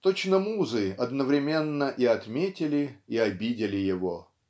Точно музы одновременно и отметили, и обидели его